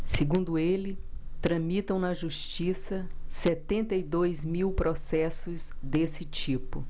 segundo ele tramitam na justiça setenta e dois mil processos desse tipo